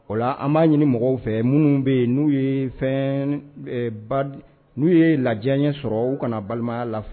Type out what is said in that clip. O la an b'a ɲini mɔgɔw fɛ minnu bɛ ye n'u ye fɛn n'u ye lajɛɲɛ sɔrɔ u kana balimaya la fɔ.